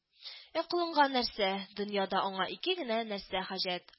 Ә колынга нәрсә – дөньяда аңа ике генә нәрсә хаҗәт: